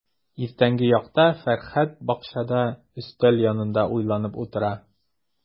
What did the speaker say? Иртәнге якта Фәрхәт бакчада өстәл янында уйланып утыра.